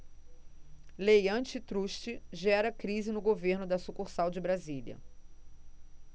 lei antitruste gera crise no governo da sucursal de brasília